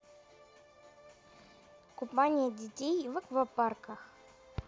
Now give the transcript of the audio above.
купание детей в аквапарках